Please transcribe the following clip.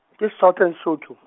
ke Southern Sotho.